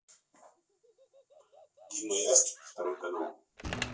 дима яструб второй канал